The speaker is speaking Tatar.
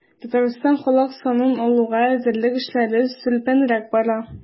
Татарстанда халык санын алуга әзерлек эшләре сүлпәнрәк бара.